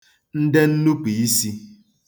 nde nnupùisī